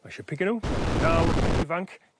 Ma' isio pigo n'w tra ma' n'w dal yn ifanc